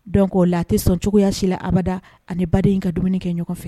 Donc o la a tɛ sɔn cogoya si la abada ani badne in ka dumuni kɛ ɲɔgɔn fɛ